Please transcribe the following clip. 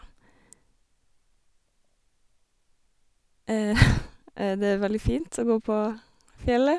Det er veldig fint å gå på fjellet.